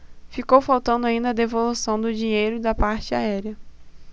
ficou faltando ainda a devolução do dinheiro da parte aérea